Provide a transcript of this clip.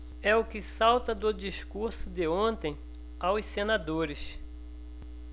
é o que salta do discurso de ontem aos senadores